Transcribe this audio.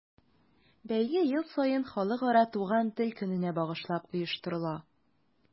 Бәйге ел саен Халыкара туган тел көненә багышлап оештырыла.